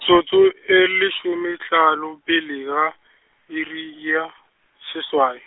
-tsotso e lesomehlano pele ga, iri ya, seswai.